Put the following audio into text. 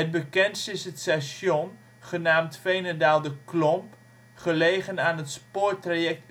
bekendst is het station, genaamd Veenendaal-De Klomp, gelegen aan het spoortraject